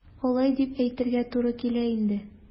Алай дип әйтергә туры килә инде.